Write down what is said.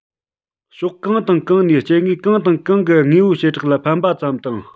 ཕྱོགས གང དང གང ནས སྐྱེ དངོས གང དང གང གི དངོས པོའི བྱེ བྲག ལ ཕན པ ཙམ དང